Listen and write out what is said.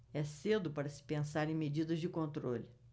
é cedo para se pensar em medidas de controle